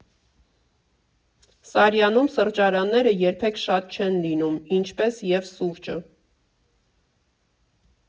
Սարյանում սրճարանները երբեք շատ չեն լինում, ինչպես և՝ սուրճը։